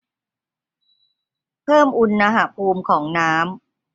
เพิ่มอุณหภูมิของน้ำ